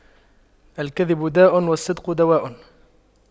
الكذب داء والصدق دواء